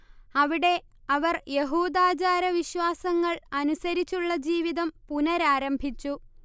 അവിടെ അവർ യഹൂദാചാരവിശ്വാസങ്ങൾ അനുസരിച്ചുള്ള ജീവിതം പുനരാരംഭിച്ചു